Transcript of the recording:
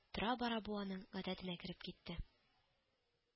Тора-бара бу аның гадәтенә кереп китте